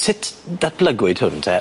Sut datlygwyd hwn te?